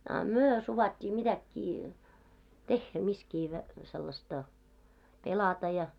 a me suvaittiin mitäkin tehdä missäkin - sellaista pelata ja